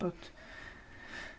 Bod... .